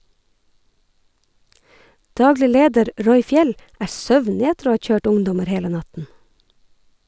Daglig leder Roy Fjeld er søvnig etter å ha kjørt ungdommer hele natten.